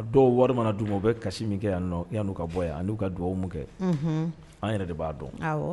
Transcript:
Dɔw wari mana dun u bɛ kasi min kɛ yan i yan'u ka bɔ yan n'u ka dugawu an mun kɛ an yɛrɛ de b'a dɔn